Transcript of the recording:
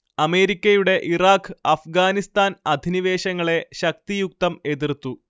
അമേരിക്കയുടെ ഇറാഖ് അഫ്ഗാനിസ്താൻ അധിനിവേശങ്ങളെ ശക്തിയുക്തം എതിർത്തു